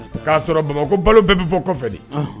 K'a sɔrɔ bamakɔ ko balo bɛɛ bɛ bɔ fɛ di